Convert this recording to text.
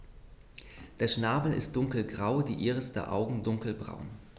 Der Schnabel ist dunkelgrau, die Iris der Augen dunkelbraun.